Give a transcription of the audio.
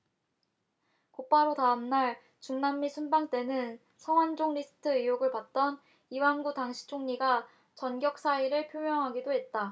곧바로 다음달 중남미 순방 때는 성완종 리스트 의혹을 받던 이완구 당시 총리가 전격 사의를 표명하기도 했다